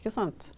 ikke sant.